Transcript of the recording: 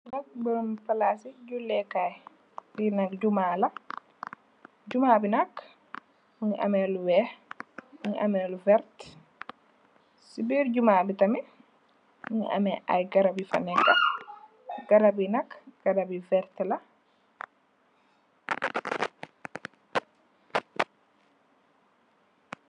Fee nak meremu plase julekay lee nak jumah la jumah be nak muge ameh lu weex muge ameh lu verte se birr jumah be tamin muge ameh aye garab yufa neka garab ye nak garabe verta la.